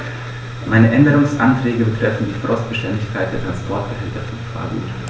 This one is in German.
Meine Änderungsanträge betreffen die Frostbeständigkeit der Transportbehälter für Gefahrgut.